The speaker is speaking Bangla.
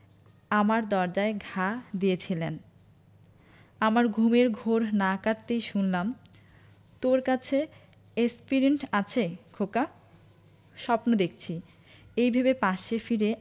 আমার দরজায় ঘা দিয়েছিলেন আমার ঘুমের ঘোর না কাটতেই শুনলাম তোর কাছে এ্যাসপিরিন্ট আছে খোকা স্বপ্ন দেখছি এই ভেবে পাশে ফিরে